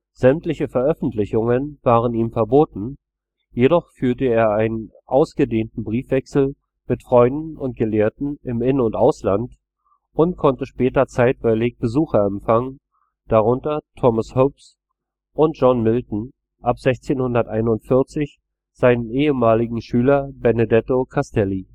Sämtliche Veröffentlichungen waren ihm verboten, jedoch führte er einen ausgedehnten Briefwechsel mit Freunden und Gelehrten im In - und Ausland und konnte später zeitweilig Besucher empfangen, darunter Thomas Hobbes und John Milton, ab 1641 seinen ehemaligen Schüler Benedetto Castelli